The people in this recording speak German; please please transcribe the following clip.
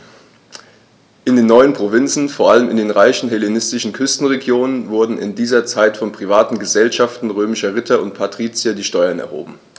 In den neuen Provinzen, vor allem in den reichen hellenistischen Küstenregionen, wurden in dieser Zeit von privaten „Gesellschaften“ römischer Ritter und Patrizier die Steuern erhoben.